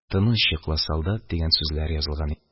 ТЫНЫЧ ЙОКЛА, СОЛДАТ!» – дигән сүзләр язылган иде.